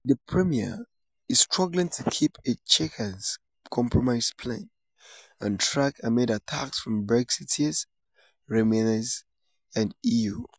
The premier is struggling to keep her Chequers compromise plan on track amid attacks from Brexiteers, Remainers and the EU.